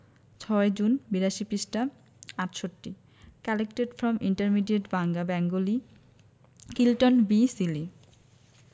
৬ জুন৮২ পৃষ্ঠাঃ ৬৮ collected from intermediate Bangla Bengali Clinton B Seely